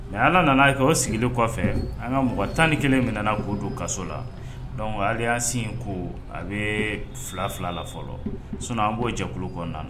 Mɛ ala nana o sigilen kɔfɛ an ka mɔgɔ tan ni kelen min nana go don kaso la y' sin in ko a bɛ fila fila la fɔlɔ an b'o jɛ kɔnɔna